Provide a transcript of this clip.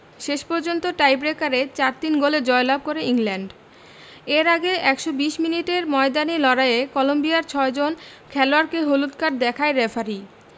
শেষ পর্যন্ত টাইট্রেকারে ৪ ৩ গোলে জয়লাভ করে ইংল্যান্ড এর আগে ১২০ মিনিটের ময়দানি লড়াইয়ে কলম্বিয়ার ছয়জন খেলোয়াড়কে হলুদ কার্ড দেখায় রেফারি